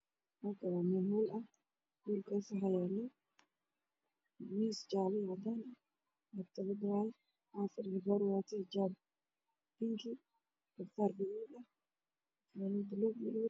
Halkaan waxaa weye meel maktabad ah oo buugaagta lagu aqristo waxaana joogo dhalinyaro wax ku aqrisanayso waxayna ku fadhiyaan kuraas miisna wax ayey ku aqrisanayaan